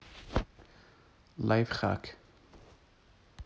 лайфхак